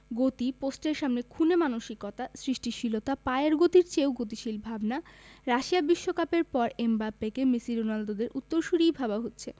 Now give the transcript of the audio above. গতি পোস্টের সামনে খুনে মানসিকতা সৃষ্টিশীলতা পায়ের গতির চেয়েও গতিশীল ভাবনা রাশিয়া বিশ্বকাপের পর এমবাপ্পেকে মেসি রোনালদোদের উত্তরসূরিই ভাবা হচ্ছে